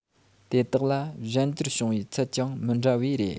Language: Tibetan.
དེ དག ལ གཞན འགྱུར བྱུང བའི ཚད ཀྱང མི འདྲ བས རེད